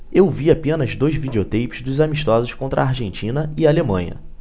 eu vi apenas dois videoteipes dos amistosos contra argentina e alemanha